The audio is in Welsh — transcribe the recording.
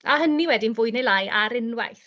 A hynny wedyn fwy neu lai ar unwaith.